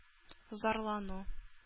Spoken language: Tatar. Зарлану